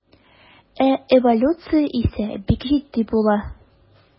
Ә эволюция исә бик җитди була.